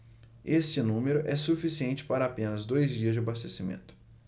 esse número é suficiente para apenas dois dias de abastecimento